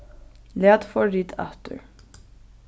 lat forrit aftur